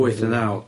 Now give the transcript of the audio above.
Wyth ne' naw.